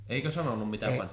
eikö sanonut mitä pani